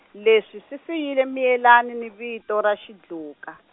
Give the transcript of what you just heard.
leswi swi siyile Miyelani ni vito ra Xidluka.